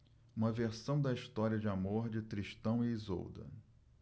uma versão da história de amor de tristão e isolda